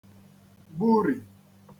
gburì